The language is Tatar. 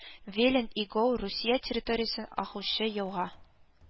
Велин-Игол Русия территориясеннән агучы елга